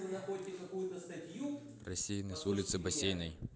рассеянный с улицы бассейной